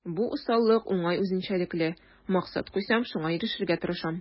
Бу усаллык уңай үзенчәлекле: максат куйсам, шуңа ирешергә тырышам.